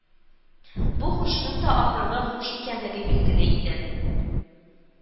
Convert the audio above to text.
Бу хушның да ахыргы хуш икәнлеге билгеле иде